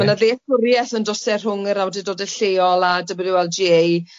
ma' 'na ddealltwriaeth yn do's e rhwng yr awdurdodau lleol a y WLGA